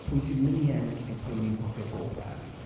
Pwy sy'n mynd i ennill neu pwy ni'n hoffi'r gorau?